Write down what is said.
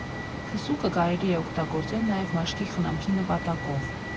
Քսուկը կարելի է օգտագործել նաև մաշկի խմանքի նպատակով։